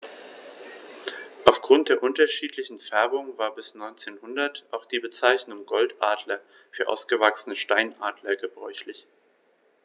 Auf Grund der unterschiedlichen Färbung war bis ca. 1900 auch die Bezeichnung Goldadler für ausgewachsene Steinadler gebräuchlich.